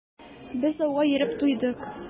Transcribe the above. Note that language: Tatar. Без ауга йөреп туйдык.